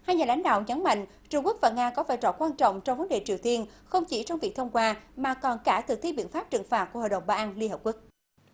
hai nhà lãnh đạo nhấn mạnh trung quốc và nga có vai trò quan trọng trong vấn đề triều tiên không chỉ trong việc thông qua mà còn cả thực thi biện pháp trừng phạt của hội đồng bảo an liên hiệp quốc